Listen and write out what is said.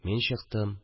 Мин чыктым